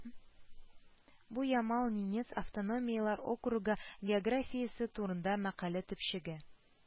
Бу Ямал-Ненец автономияле округы географиясе турында мәкалә төпчеге